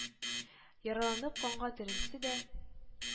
Яраланып канга төренсә дә,